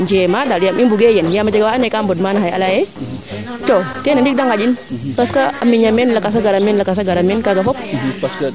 njeema daal yaam i mbuge yen yaam a njenga waa ando naye kaa mboda maana xaye a leyaa ye co keene ndik de nganjin parce :far que a miña meene lakasa gara meen kaaga fop